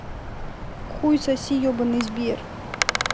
хуй соси ебаный сбер